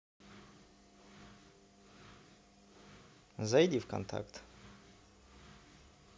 зайди в контакт